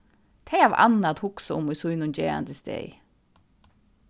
tey hava annað at hugsa um í sínum gerandisdegi